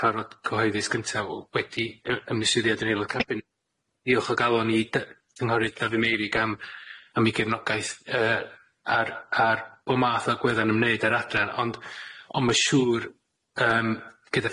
cyfarfod cyhoeddus gyntaf o- wedi y- ymddiswyddiad yrn aelod cabinet i diolch o galon i dy- ynghorydd Dafydd Meirig am am ei gefnogaeth yy ar ar bo' math o gweddau'n ymwneud ar adre ond ond ma' siŵr yym gyda